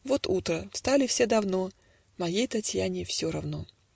Вот утро: встали все давно, Моей Татьяне все равно.